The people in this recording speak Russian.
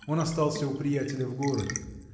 Он остался у приятеля в городе.